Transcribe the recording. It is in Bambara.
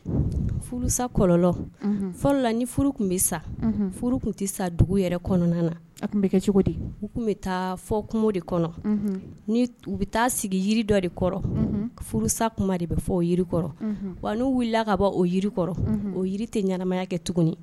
Furusa kɔ fɔlɔla ni furu tun bɛ sa furu tun tɛ sa dugu yɛrɛ kɔnɔna na kɛ cogo di tun bɛ taa fɔ de kɔnɔ u bɛ taa sigi jiri dɔ de kɔrɔ furusa de bɛ fɔ jiri wa n'u wulila ka bɔ o jiri kɔrɔ o jiri tɛ ɲmaya kɛ tuguni